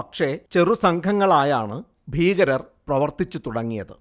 പക്ഷേ, ചെറു സംഘങ്ങളായാണു ഭീകരർ പ്രവർത്തിച്ചു തുടങ്ങിയത്